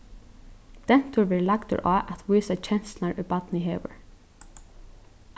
dentur verður lagdur á at vísa kenslurnar ið barnið hevur